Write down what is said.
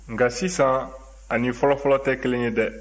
nka sisan ani fɔlɔfɔlɔ tɛ kelen ye dɛ